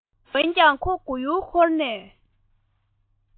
ཡིན ཀྱང ཁོ རང མགོ ཡུ འཁོར ནས